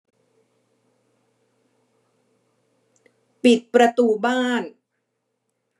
ปิดประตูบ้าน